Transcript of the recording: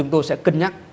chúng tôi sẽ cân nhắc